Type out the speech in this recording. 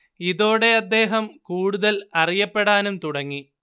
ഇതോടെ അദ്ദേഹം കൂടുതൽ അറിയപ്പെടാനും തുടങ്ങി